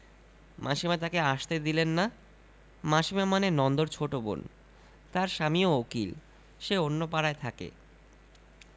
মাসীমা তাকে আসতে দিলেন নামাসিমা মানে নন্দর ছোট বোন তার স্বামীও উকিল সে অন্য পাড়ায় থাকে